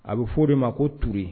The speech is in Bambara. A bɛ fɔ o de ma ko tu